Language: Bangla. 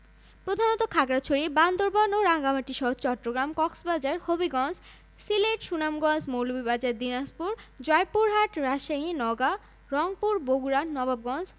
প্রধানত খাগড়াছড়ি বান্দরবান ও রাঙ্গামাটিসহ চট্টগ্রাম কক্সবাজার হবিগঞ্জ সিলেট সুনামগঞ্জ মৌলভীবাজার দিনাজপুর জয়পুরহাট রাজশাহী নওগাঁ রংপুর বগুড়া নবাবগঞ্জ